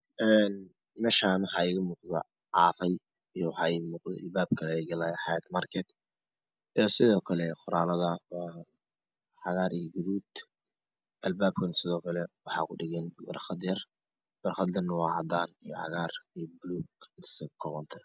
Een Meeshaan waxaa iiga muuqda caaqi iyo waxaa ii muuqda albaaka laga galayo xayaat market ee sidoo kale qoraaladaan waa cagaar iyo gadud albaabkana sido kale waxaa ku dhagan warqad yar warqadana waa cadaan iyo cagaar iyo buluug intaas ayey ka kooban tahay